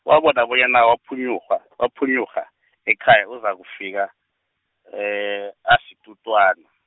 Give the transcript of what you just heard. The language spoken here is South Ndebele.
wabona bonyana waphunyurha , waphunyurha, ekhaya uzakufika, asitutwana.